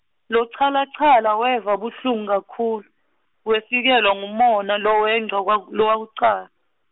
Lochalachala weva buhlungu kakhul- , wefikelwa ngumona lowengca kwak-, lowakuca-.